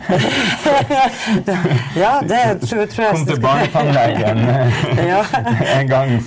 ja det trur trur jeg .